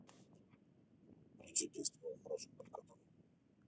включи песню как хорошо быть котом